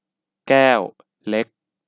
แก้วเล็ก